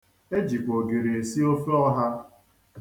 E jikwa ogiri esi ofe ọha.